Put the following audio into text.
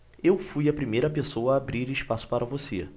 eu fui a primeira pessoa a abrir espaço para você